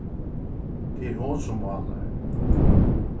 tað er hon sum málar